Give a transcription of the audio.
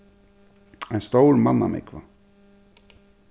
ein stór mannamúgva